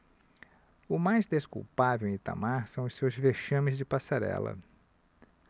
o mais desculpável em itamar são os seus vexames de passarela